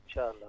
incha allah